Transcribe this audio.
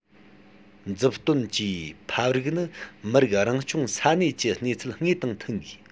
མཛུབ སྟོན བཅས ཕབ རིགས ནི མི རིགས རང སྐྱོང ས གནས ཀྱི གནས ཚུལ དངོས དང མཐུན དགོས